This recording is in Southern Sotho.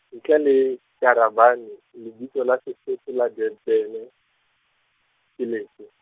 Ntle le, Tarabane lebitso la Sesotho la Durban, ke lefe?